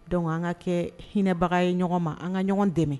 Donc an ka kɛ hinɛbaga ye ɲɔgɔn ma. An ka ɲɔgɔn dɛmɛ.